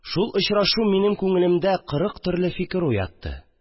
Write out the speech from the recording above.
Шул очрашу минем күңелемдә кырык төрле фикер уятты